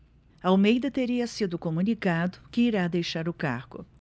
almeida teria sido comunicado que irá deixar o cargo